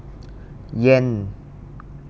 เย็น